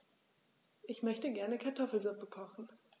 Ich möchte gerne Kartoffelsuppe kochen.